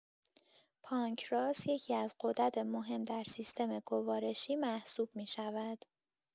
پانکراس یکی‌از غدد مهم در سیستم گوارشی محسوب می‌شود.